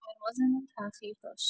پروازمون تاخیر داشت.